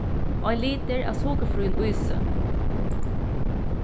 ein litur av sukurfríum ísi